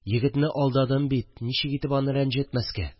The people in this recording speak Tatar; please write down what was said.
Егетне алдадым бит, ничек итеп аны рәнҗетмәскә